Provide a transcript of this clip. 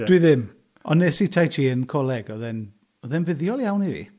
Dwi ddim, ond wnes i tai chi yn coleg. Oedd e'n... oedd e'n fuddiol iawn i fi.